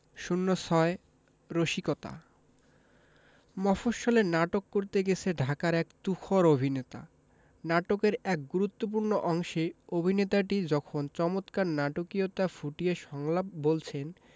০৬ রসিকতা মফশ্বলে নাটক করতে গেছে ঢাকার এক তুখোর অভিনেতা নাটকের এক গুরুত্তপূ্র্ণ অংশে অভিনেতাটি যখন চমৎকার নাটকীয়তা ফুটিয়ে সংলাপ বলছেন